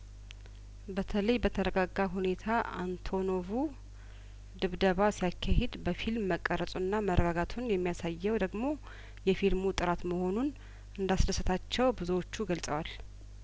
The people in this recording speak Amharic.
በተለይ በተረጋጋ ሁኔታ አንቶኖቩ ድብደባ ሲያካሂድ በፊልም መቀረጹና መረጋጋቱን የሚያሳየው ደግሞ የፊልሙ ጥራት መሆኑን እንዳስደሰታቸው ብዙዎቹ ገልጸዋል